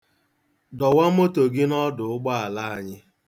Dọwa moto gị n'ọdụụgbọala anyị.